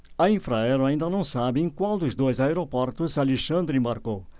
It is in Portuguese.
a infraero ainda não sabe em qual dos dois aeroportos alexandre embarcou